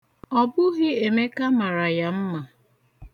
Ọ bụghị Emeka mara ya mma.